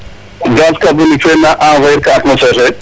Gaz carbonique fe na envoyer itka atmosphére